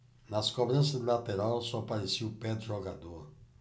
nas cobranças de lateral só aparecia o pé do jogador